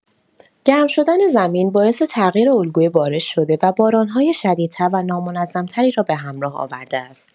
گرم شدن زمین باعث تغییر الگوی بارش شده و باران‌های شدیدتر و نامنظم‌تری را به همراه آورده است.